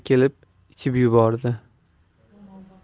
kelib ichib yubordi